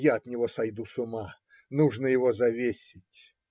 Я от него сойду с ума. Нужно его завесить.